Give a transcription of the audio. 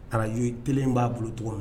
télé_ in b'a bolo cogo